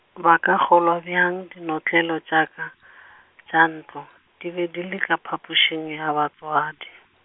ba ka nkgolwa bjang dinotlelo tša ka , tša ntlo, di be di le ka phapošing ya batswadi.